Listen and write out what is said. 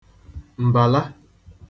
m̀bàla